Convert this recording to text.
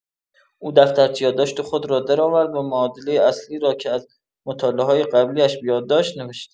او دفترچه یادداشت خود را درآورد و معادلۀ اصلی را که از مطالعه‌های قبلی‌اش بۀاد داشت، نوشت.